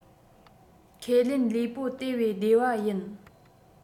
ཁས ལེན ལུས པོ དེ བས བདེ བ ཡིན